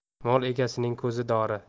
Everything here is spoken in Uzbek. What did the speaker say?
molga egasining ko'zi dori